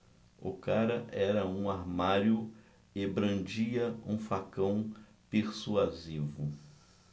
o cara era um armário e brandia um facão persuasivo